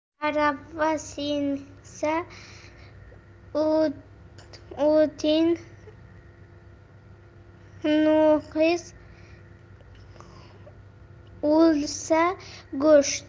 arava sinsa o'tin ho'kiz o'lsa go'sht